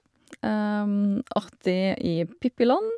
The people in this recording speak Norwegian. Artig i Pippiland.